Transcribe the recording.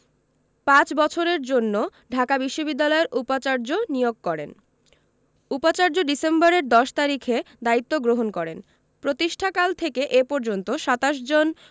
পাঁচ বছরের জন্য ঢাকা বিশ্ববিদ্যালয়ের উপাচার্য নিয়োগ করেন উপাচার্য ডিসেম্বরের ১০ তারিখে দায়িত্ব গ্রহণ করেন প্রতিষ্ঠাকাল থেকে এ পর্যন্ত ২৭ জন